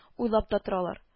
Уйлап та торалар